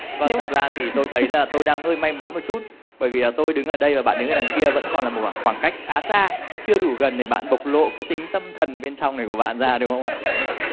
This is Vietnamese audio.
vâng thật ra thì tôi thấy là tôi đang hơi may mắn một chút bởi vì tôi đứng ở đây và bạn đứng ở đằng kia vẫn còn là một khoảng khoảng cách khá xa chưa đủ gần để bạn bộc lộ cái tính tâm thần bên trong này của bạn ra đúng không ạ